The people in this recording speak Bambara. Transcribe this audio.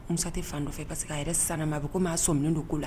Musa tɛ fa nɔfɛ parce que a yɛrɛ sisannama a bɛ comme a sɔminnen don ko la